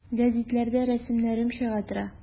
Гәзитләрдә рәсемнәрем чыга тора.